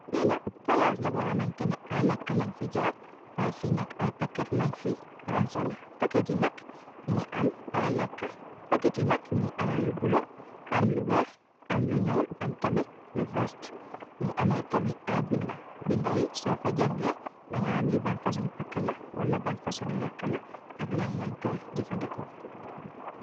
Lii nak palaas la boo xam ne ay leeka lange fiiy jaay,..pakket yi nak, mu ngi am ay leeka, pakket yi nak, mu ngi am lu bulo, am lu bulo, am lu werta, am tamit ay binda, binda soo ko jangee, da nagaay xam ban fasongi leeka la, ak lan lange kooy jafandeko.